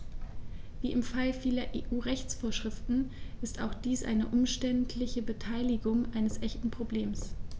Wie im Fall vieler EU-Rechtsvorschriften ist auch dies eine umständliche Betitelung eines echten Problems.